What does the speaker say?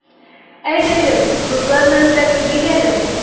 Әйдәгез, кызларны эзләп килик әле.